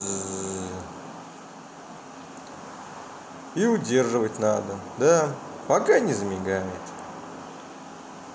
и удерживать надо да пока не замигает